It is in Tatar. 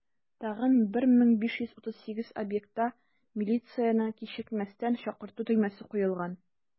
Тагын 1538 объектта милицияне кичекмәстән чакырту төймәсе куелган.